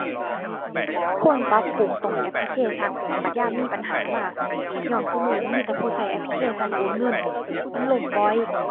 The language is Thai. ควรปรับปรุงตรงแอปพลิเคชันบัดยามมีปัญหามา ญ้อนซุมื้อนี้มีแต่ผู้ใช้แอปพลิเคชันโอนเงิน มันล่มบ่อย